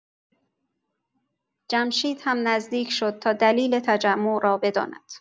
جمشید هم نزدیک شد تا دلیل تجمع را بداند.